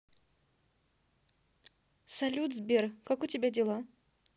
салют сбер как дела у тебя